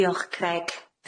Diolch Creg.